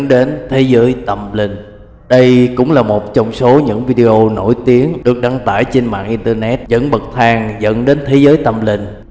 những bậc thang dẫn đến thế giới tâm linh đây cũng là một trong số những video nổi tiếng được đăng tải trên mạng internet vẫn bậc thang dẫn đến